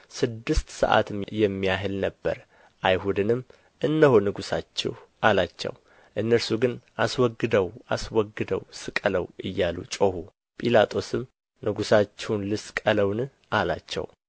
ስድስት ሰዓትም የሚያህል ነበረ አይሁድንም እነሆ ንጉሣችሁ አላቸው እነርሱ ግን አስወግደው አስወግደው ስቀለው እያሉ ጮኹ ጲላጦስም ንጉሣችሁን ልስቀለውን አላቸው